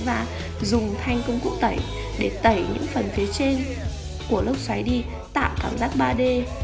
và dùng thanh công cụ tẩy để tẩy những phần phía trên của lốc xoáy đi tạo cảm giác d